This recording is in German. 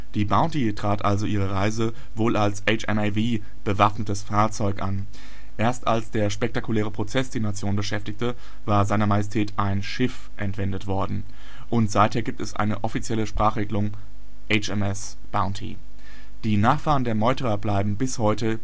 Die Bounty trat also ihre Reise wohl als HMAV, bewaffnetes Fahrzeug, an. Erst als der spektakuläre Prozess die Nation beschäftigte, war Seiner Majestät ein Schiff entwendet worden, und seither gibt es eine offizielle Sprachregelung: HMS Bounty. Die Nachfahren der Meuterer bleiben bis heute